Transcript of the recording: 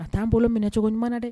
A t'an bolo minɛ cogo ɲumanɲuman dɛ